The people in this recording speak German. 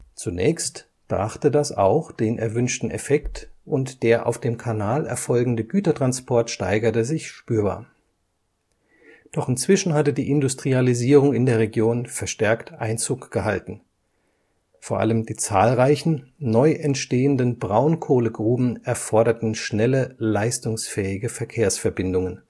Zunächst brachte das auch den erwünschten Effekt und der auf dem Kanal erfolgende Gütertransport steigerte sich spürbar. Doch inzwischen hatte die Industrialisierung in der Region verstärkt Einzug gehalten. Vor allem die zahlreichen, neu entstehenden Braunkohlegruben erforderten schnelle leistungsfähige Verkehrsverbindungen